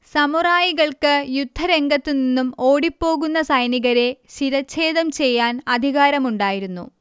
സമുറായികൾക്ക് യുദ്ധരംഗത്തുനിന്നും ഓടിപ്പോകുന്ന സൈനികരെ ശിരഛേദം ചെയ്യാൻ അധികാരമുണ്ടായിരുന്നു